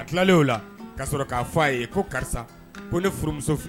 A tilalen o la k'a sɔrɔ k'a fɔ a ye, ko karisa ko ne furumuso fi